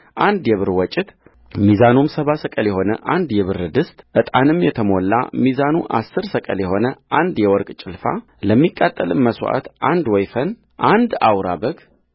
አንድ የብር ወጭት ሚዛኑም ሰባ ሰቅል የሆነ አንድ የብር ድስትዕጣንም የተሞላ ሚዛኑ አሥር ሰቅል የሆነ አንድ የወርቅ ጭልፋለሚቃጠልም መሥዋዕት አንድ ወይፈን አንድ አውራ በግ